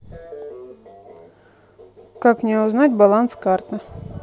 как мне узнать баланс карты